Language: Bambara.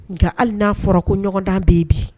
Nka hali n'a fɔrako ɲɔgɔn da bɛ bi